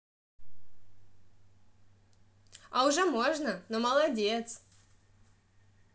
а уже можно но молодец